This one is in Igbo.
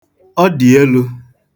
Ọ dị elu.